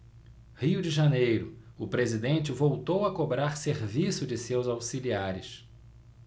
rio de janeiro o presidente voltou a cobrar serviço de seus auxiliares